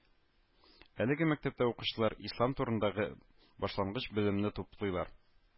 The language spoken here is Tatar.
Әлеге мәктәптә укучылар Ислам турындагы башлангыч белемне туплыйлар